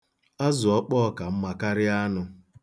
Azụọkpọọ ka mma karịa anụ.